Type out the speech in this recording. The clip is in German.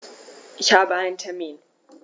Ich habe einen Termin.